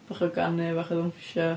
Bach o ganu, bach o ddawnsio.